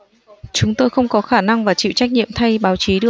chúng tôi không có khả năng và chịu trách nhiệm thay báo chí được